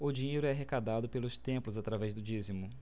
o dinheiro é arrecadado pelos templos através do dízimo